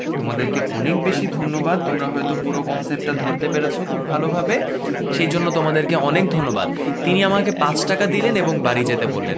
তোমাদেরকে অনেক বেশি ধন্যবাদ তোমরা হয়তো পুরো কনসেপ্ট টা ধরতে পেরেছ খুব ভালোভাবে সেজন্য তোমাদেরকে অনেক ধন্যবাদ তিনি আমাকে ৫ টাকা দিলেন এবং বাড়ি যেতে বললেন